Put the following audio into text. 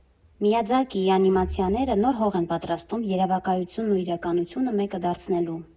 Միյաձակիի անիմացիաները նոր հող են պատրաստում՝ երևակայությունն ու իրականությունը մեկը դարձնելու։